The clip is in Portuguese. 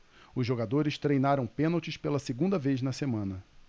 os jogadores treinaram pênaltis pela segunda vez na semana